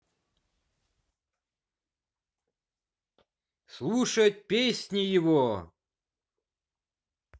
слушать песни эго